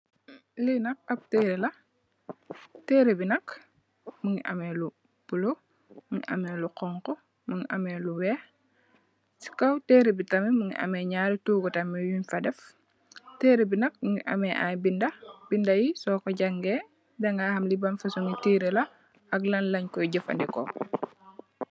Lii nak ab teere la, teree bi nak, mu ngi am lu nyuul, mu ngi amee lu weex, mu ngi amee lu xonxu, si koo teree bi nak, mu ngi amee nyaari toogu yung fa def. Si kow teree bi nak, mu ngi amee ay binda. Binda yi, so ko jangee, dagaay xam lii ban fasongi terre la, ak lan lan lange kooy jafandekoo.